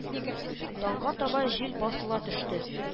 Таңга таба җил басыла төште